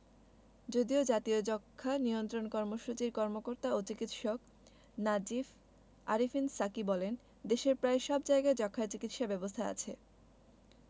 যদিও জাতীয় যক্ষ্মা নিয়ন্ত্রণ কর্মসূচির কর্মকর্তা ও চিকিৎসক নাজিস আরেফিন সাকী বলেন দেশের প্রায় সব জায়গায় যক্ষ্মার চিকিৎসা ব্যবস্থা আছে